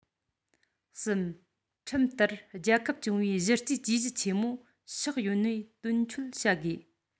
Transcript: གསུམ ཁྲིམས ལྟར རྒྱལ ཁབ སྐྱོང བའི གཞི རྩའི ཇུས གཞི ཆེན མོ ཕྱོགས ཡོངས ནས དོན འཁྱོལ བྱ དགོས